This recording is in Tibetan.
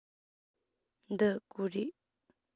འདི སྒོ རེད